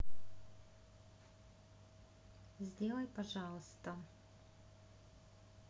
сделай пожалуйста